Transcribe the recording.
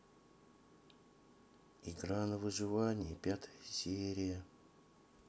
игра на выживание пятая серия